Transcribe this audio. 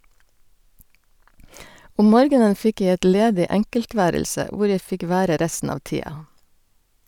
Om morgenen fikk jeg et ledig enkeltværelse hvor jeg fikk være resten av tida.